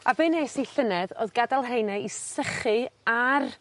A be' nes i llynedd o'dd gad'el rheina i sychu ar